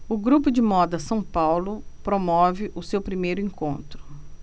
o grupo de moda são paulo promove o seu primeiro encontro